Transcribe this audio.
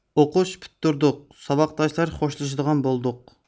ئوقۇش پۈتتۈردۇق ساۋاقداشلار خوشلىشىدىغان بولدۇق